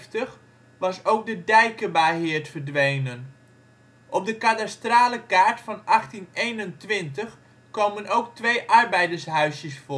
de Deijkemaheerd verdwenen. Op de kadastrale kaart van 1821 komen ook twee arbeidershuisjes voor